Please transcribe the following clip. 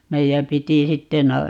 meidän piti sitten -